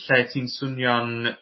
Lle ti'n swnio'n